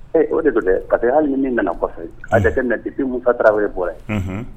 Ee o de don dɛ parce que hali ni min nana kɔfɛ a jateminɛ depuis Musa Tarawele bɔra yen, unhun